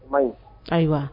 Ayiwa